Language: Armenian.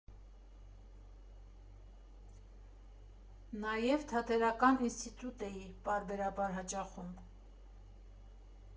Նաև թատերական ինստիտուտ էի պարբերաբար հաճախում։